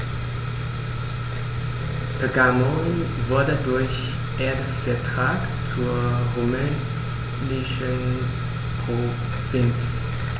Pergamon wurde durch Erbvertrag zur römischen Provinz.